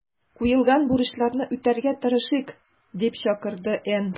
Куелган бурычларны үтәргә тырышыйк”, - дип чакырды Н.